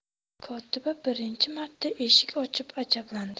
kotiba birinchi marta eshik ochib ajablandi